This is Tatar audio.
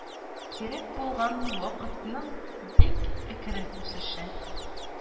Кирәк булган вакытның бик әкрен үсеше